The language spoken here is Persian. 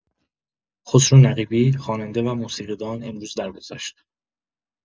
خسرو نقیبی، خواننده و موسیقی‌دان، امروز درگذشت.